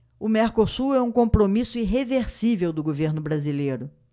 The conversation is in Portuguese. o mercosul é um compromisso irreversível do governo brasileiro